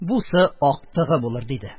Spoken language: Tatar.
Бусы - актыгы булыр! - диде.